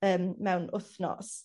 Yn mewn wthnos.